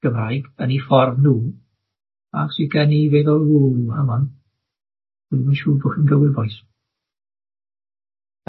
Gymraeg yn 'u ffordd nw ag sydd gen i i feddwl, w, hang on, dwi'm yn siŵr bo' chi'n gywir bois.